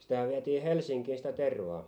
sitähän vietiin Helsinkiin sitä tervaa